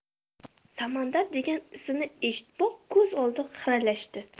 samandar degan ismni eshitiboq ko'z oldi xiralashdi